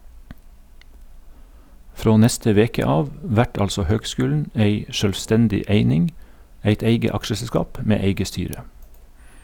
Frå neste veke av vert altså høgskulen ei sjølvstendig eining, eit eige aksjeselskap med eige styre.